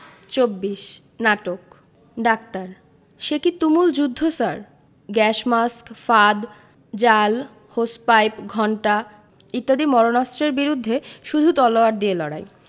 ২৪ নাটক ডাক্তার সেকি তুমুল যুদ্ধ স্যার গ্যাস মাস্ক ফাঁদ জাল হোস পাইপ ঘণ্টা ইত্যাদি মারণাস্ত্রের বিরুদ্ধে শুধু তলোয়ার দিয়ে লড়াই